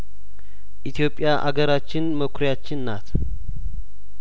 ኢትዮጵያ ሀገራችን መኩሪያችን ናት